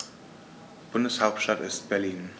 Bundeshauptstadt ist Berlin.